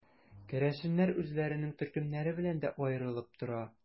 Керәшеннәр үзләренең төркемнәре белән дә аерылып тора.